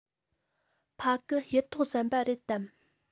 ཕ གི གཡུ ཐོག ཟམ པ རེད དམ